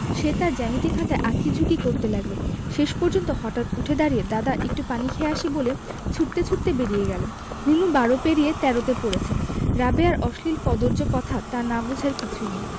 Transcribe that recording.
সে তার জ্যামিতি খাতায় আঁকি ঝুকি করতে লাগলো শেষ পর্যন্ত হঠাৎ উঠে দাড়িয়ে দাদা একটু পানি খেয়ে আসি বলে ছুটতে ছুটতে বেরিয়ে গেল রুনু বারো পেরিয়ে তেরোতে পড়েছে রাবেয়ার অশ্লীল কদৰ্য কথা তার না বুঝার কিছুই নেই